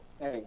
eeyi